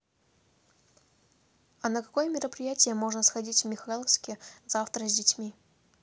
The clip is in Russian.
а на какое мероприятие можно сходить в михайловске завтра с детьми